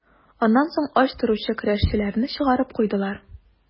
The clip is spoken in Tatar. Аннан соң ач торучы көрәшчеләрне чыгарып куйдылар.